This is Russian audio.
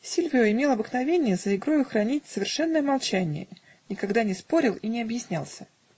Сильвио имел обыкновение за игрою хранить совершенное молчание, никогда не спорил и не объяснялся.